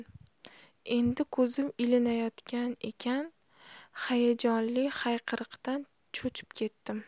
endi ko'zim ilinayotgan ekan hayajonli hayqiriqdan cho'chib ketdim